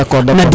d' accord